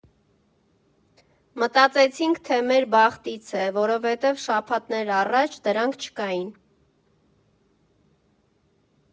Մտածեցինք, թե մեր բախտից է, որովհետև շաբաթներ առաջ դրանք չկային։